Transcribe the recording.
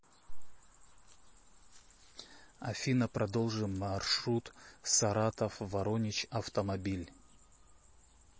афина продолжи маршрут саратов воронич автомобиль